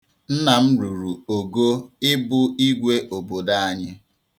Nna m ruru ogo ịbụ Igwe obodo anyị.